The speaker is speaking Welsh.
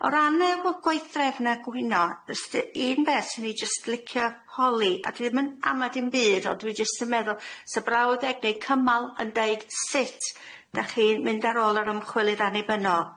O ran y- go- gwaith threfn a cwyno jyst y- un beth sy'n i jyst licio holi a dwi ddim yn ama dim byd ond dwi jyst yn meddwl sa brawddeg neu cymal yn deud sut dach chi mynd ar ôl yr ymchwilydd annibynnol.